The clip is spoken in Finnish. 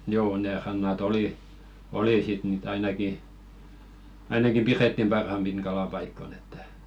joo ne rannat oli oli sitten niitä ainakin ainakin pidettiin parhaimpina kalapaikkoina että